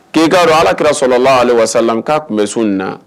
K'ekaari alakira sɔrɔlalala ale walasasala k'a tun bɛ sun in na